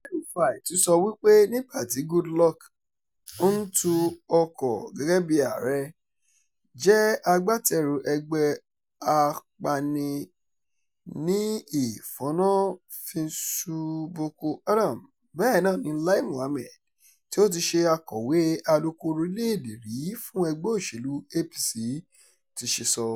El-Rufai tún sọ wípé nígbà tí Goodluck ń tu ọkọ̀ gẹ́gẹ́ bí ààrẹ, jẹ́ agbátẹrù ẹgbẹ́ apani-ní- ìfọnná-finṣu Boko Haram. Bẹ́ẹ̀ náà ni Láí Mohammed tí ó ti ṣe Akọ̀wé Alukoro Orílẹ̀-èdè rí fún ẹgbẹ́ òṣèlú APC ti ṣe sọ.